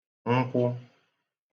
nkwụ